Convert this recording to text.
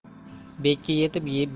bekka yetib bezillaguncha